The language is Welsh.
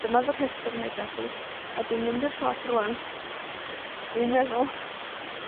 Dyma fy rhestyr negas i, a dwi'n mynd i'r siop rŵan, dwi'n meddwl